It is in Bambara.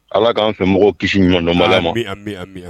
Ala k'an fɛ mɔgɔw kisi ɲɔgɔnma la